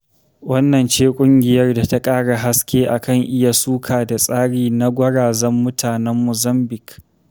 Wannan ce ƙungiyar da ta ƙara haske a kan iya suka da tsari na gwarazan mutanen Muzambic.